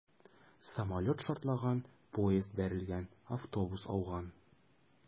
Самолет шартлаган, поезд бәрелгән, автобус ауган...